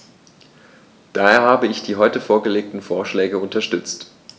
Daher habe ich die heute vorgelegten Vorschläge unterstützt.